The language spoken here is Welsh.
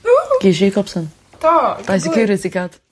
Ww! Ges i copsan. Do? Dau security guard.